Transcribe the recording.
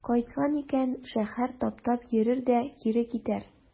Кайткан икән, шәһәр таптап йөрер дә кире китәр.